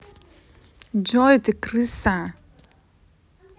джой ты крыса